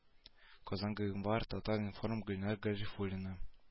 Казан гыйнвар татар-информ гөлнар гарифуллина